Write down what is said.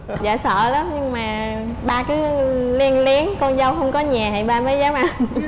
dạ sợ lắm nhưng mà ba cứ len lén con dâu không có nhà thì ba mới dám ăn